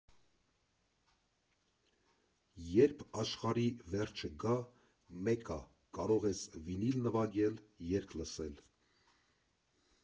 Երբ աշխարհի վերջը գա, մեկ ա՝ կարող ես վինիլ նվագել, երգ լսել.